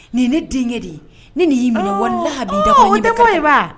Nin ye ne denkɛ de ye, ni nin y'i minɛ. Ɔɔ. Walahi a b'i datugu wa i bɛ taa. Aa i tɛ bɔ yen baa